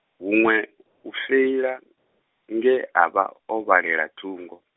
huṅwe u feila, nge a vha, o vhalela thungo.